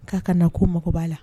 K'a ka na ko mago b'a la